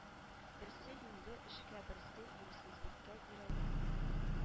Берсе юньле эшкә берсе юньсезлеккә өйрәнә